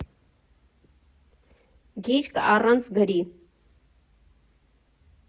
Գիրք՝ առանց գրի։